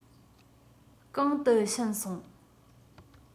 གང དུ ཕྱིན སོང